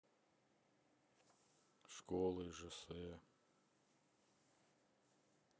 школа ижс